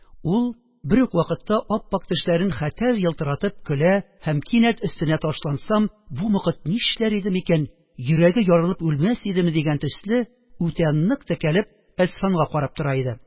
Ул бер үк вакытта ап-ак тешләрен хәтәр елтыратып көлә һәм, «Кинәт өстенә ташлансам, бу мокыт нишләр иде микән? Йөрәге ярылып үлмәс идеме?» дигән төсле, үтә нык текәлеп, Әсфанга карап тора иде